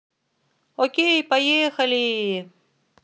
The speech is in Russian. окей поехали